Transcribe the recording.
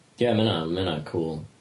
Ie ma' ynna'n ma' ynna'n cŵl.